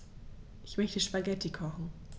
Ich möchte Spaghetti kochen.